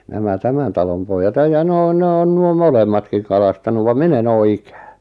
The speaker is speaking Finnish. nämä tämän talon pojat ei ja ne on ne on nuo molemmatkin kalastanut vaan minä en ole ikinä